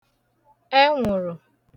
ẹnwùrù